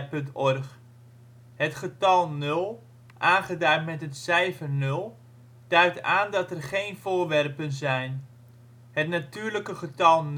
Het getal nul, aangeduid met het cijfer 0, duidt aan dat er geen voorwerpen zijn. Het natuurlijke getal